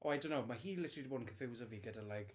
Oh I dunno mae hi literally 'di bod yn conffiwso fi gyda like...